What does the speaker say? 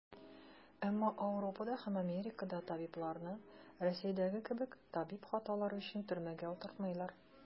Әмма Ауропада һәм Америкада табибларны, Рәсәйдәге кебек, табиб хаталары өчен төрмәгә утыртмыйлар.